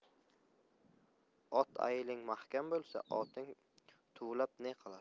ot ayiling mahkam bo'lsa oting tuvlab ne qilar